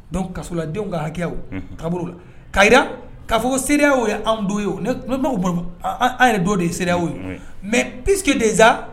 Dɔnku kasoladenw ka hakɛ kab la ka jira k'a fɔ ko seere o ye' don ye o bolo an yɛrɛ do de ye se o ye mɛ ptu de